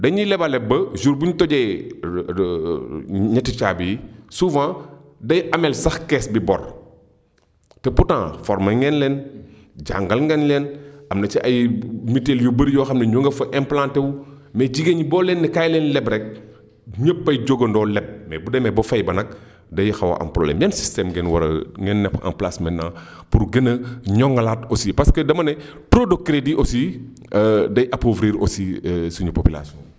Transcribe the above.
dañuy lebale ba jour bu ñu tojee ñetti caabi yi souvent day ameel sax kees bi bor te pourtant formé ngeen leen jàngal ngeen leen am na ci ay mutuelles yu bëri yoo xam ne ñu nga fa implanté wu mais jigéen ñi boo leen ne kaay leen leb rek ñépp ay jógandoo leb bu demee ba fay ba nag day xaw a am problème yan systèmes ngeen war a ngeen mettre en place maintenant pour gën a ñoŋalaat aussi parce que dama ne trop de crédit aussi day appauvrir aussi suñu population